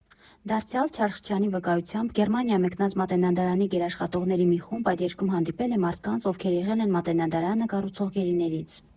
Դարձյալ Չարխչյանի վկայությամբ՝ Գերմանիա մեկնած Մատենադարանի գիտաշխատողների մի խումբ այդ երկրում հանդիպել է մարդկանց, ովքեր եղել են Մատենադարանը կառուցող գերիներից։